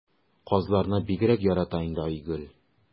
Казларны бигрәк ярата инде Айгөл.